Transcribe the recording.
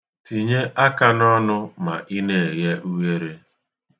Tinye aka n'ọnụ ma ị na-eghe ughere.